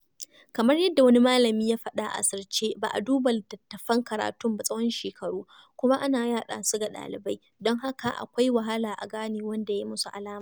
Kamar yadda wani malami ya faɗa a asirce, ba a duba littattafan karatun ba tsawon shekaru kuma ana yaɗa su ga ɗalibai, don haka akwai wahala a gane wanda ya yi musu alama.